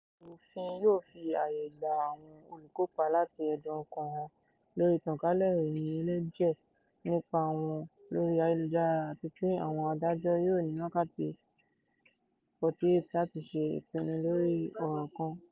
Òfin yóò fi àyè gba àwọn olùkópa láti ẹ̀dùn ọkàn hàn lórí ìtànkálẹ̀ ìròyìn ẹlẹ́jẹ̀ nípa wọn lórí ayélujára àti pé àwọn adájọ́ yóò ní wákàtí 48 láti ṣe ìpinnu lórí ọ̀ràn kan.